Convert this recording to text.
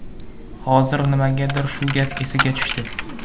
xozir nimagadir shu gap esiga tushdi